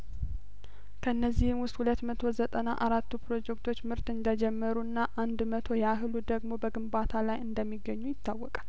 ከእነዚህም ውስጥ ሁለት መቶ ዘጠና አራቱ ፕሮጀክቶች ምርት እንደጀመሩና አንድ መቶ ያህሉ ደግሞ በግንባታ ላይ እንደሚገኙ ይታወቃል